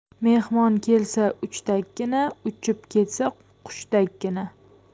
mehmon kelsa uchtakkina uchib ketsa qushdakkina